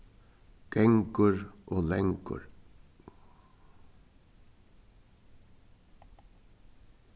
gangur og langur